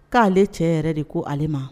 K'ale ale cɛ yɛrɛ de ko ale ma